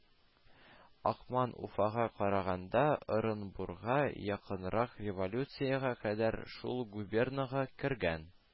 Акман Уфага караганда Ырынбурга якынрак, революциягә кадәр шул губернага кергән